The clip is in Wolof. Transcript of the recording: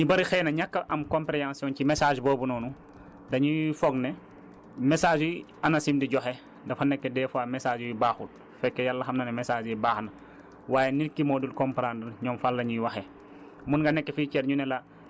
donc lu ci gën a bëri nag ñu bëri xëy na ñàkk a am compréhension ci message boobu noonu dañuy foog ne messages yi Anacim di joxe dafa nekk des fois messages yu baaxul fekk Yàlla xam na ne messages yi baax na waaye nit ki moo dul comprendre ñoom fan la ñuy waxee